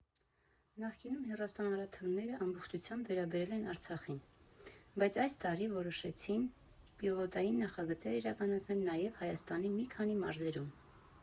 Նախկինում հեռուստամարաթոնները ամբողջությամբ վերաբերել են Արցախին, բայց այս տարի որոշեցին պիլոտային նախագծեր իրականացնել նաև Հայաստանի մի քանի մարզերում։